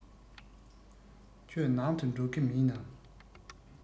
ཁྱོད ནང དུ འགྲོ གི མིན ནམ